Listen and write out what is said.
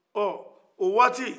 ɔ o waati